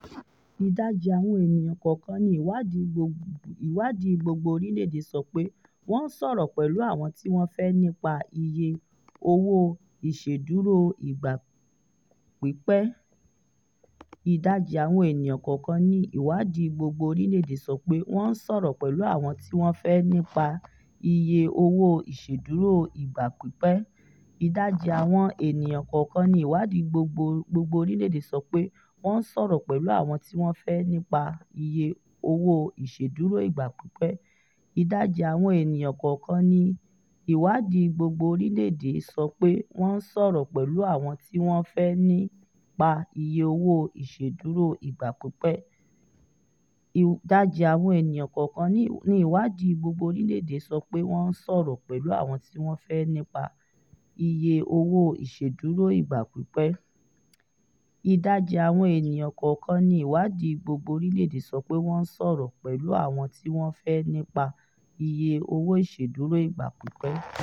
Ìdajì àwọn ènìyàn kọ̀ọ̀kan ni ìwáàdí gbogbo orílẹ̀-èdè sọ pé wọ́n ń sọ̀rọ̀ pẹ̀lú àwọn tí wọ́n fẹ́ nípa iye owó ìṣedúró ìgbà pípé.